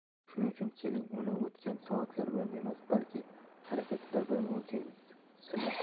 shuning uchun keling uni o'tgan soatlar bilan emas balki harakatlar bilan o'lchaymiz seneka